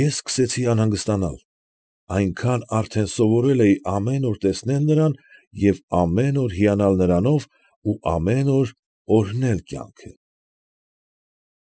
Ես սկսեցի անհանգստանալ, այնքան արդեն սովորել էի ամեն օր տեսնել նրան և ամեն օր հիանալ նրանով ու ամեն օր օրհնել կյանքը։